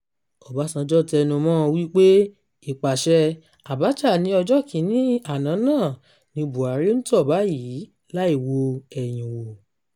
Ọbásanjọ́ tẹnumọ́ọ wípé "ipasẹ̀ " Abacha ní ọjọ́ kínní àná náà ni Buhari ń tọ́ báyìí "láì wo ẹ̀yìn wò."